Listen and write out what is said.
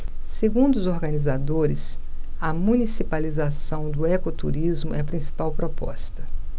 segundo os organizadores a municipalização do ecoturismo é a principal proposta